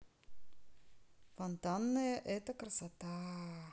фонтанная это красота